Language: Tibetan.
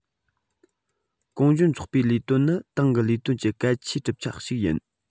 གུང གཞོན ཚོགས པའི ལས དོན ནི ཏང གི ལས དོན གྱི གལ ཆེའི གྲུབ ཆ ཞིག ཡིན